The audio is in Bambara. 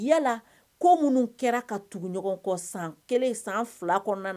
Yala kɔ minnu kɛra ka tuguɲɔgɔn kɔ san kelen san fila kɔnɔna